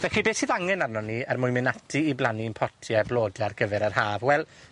Felly, beth sydd angen arnon ni er mwyn mynd ati i blannu'n potie blode ar gyfer yr Haf? Wel,